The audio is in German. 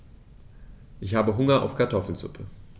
Ich habe Hunger auf Kartoffelsuppe.